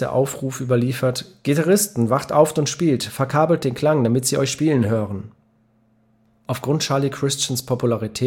Aufruf überliefert: „ Gitarristen, wacht auf und spielt! Verkabelt den Klang, damit sie euch spielen hören! “Aufgrund Charlie Christians Popularität